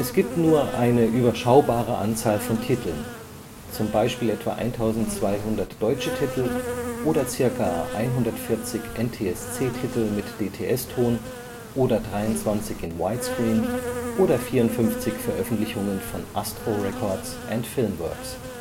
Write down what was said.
gibt nur eine überschaubare Anzahl von Titeln, zum Beispiel etwa 1200 deutsche oder circa 140 NTSC-Titel mit DTS-Ton oder 23 in Widescreen (16:9 oder „ Squeeze “) oder 54 Veröffentlichungen von Astro Records and Filmworks